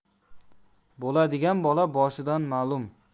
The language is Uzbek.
bo'ladigan bola boshidan ma'lum